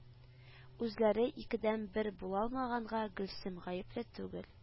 Үзләре икедән бер булалмаганга гөлсем гаепле түгел